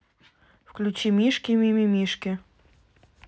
включи мишки мимимишки